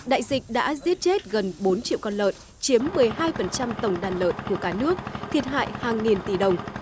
đại dịch đã giết chết gần bốn triệu con lợn chiếm mười hai phần trăm tổng đàn lợn của cả nước thiệt hại hàng nghìn tỷ đồng